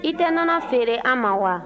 i tɛ nɔnɔ feere an ma wa